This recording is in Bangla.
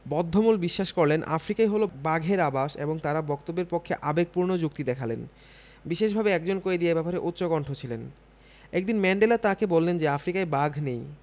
বদ্ধমূল বিশ্বাস করলেন আফ্রিকাই হলো বাঘের আবাস এবং তারা বক্তব্যের পক্ষে আবেগপূর্ণ যুক্তি দেখালেন বিশেষভাবে একজন কয়েদি এ ব্যাপারে উচ্চকণ্ঠ ছিলেন একদিন ম্যান্ডেলা তাঁকে বললেন যে আফ্রিকায় বাঘ নেই